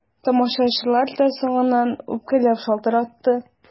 Тамашачылар да соңыннан үпкәләп шалтыратты.